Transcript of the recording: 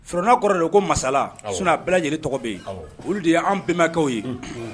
Rna kɔrɔ de ko masala bɛɛ lajɛlen tɔgɔ bɛ olu de ye an bɛnbakɛ ye